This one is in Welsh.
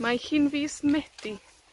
Mae hi'n fis Medi.